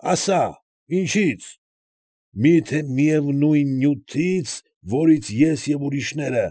Ասա՛, ինչի՞ց։ Մի՞թե միևնույն նյութից, որից ես և ուրիշները։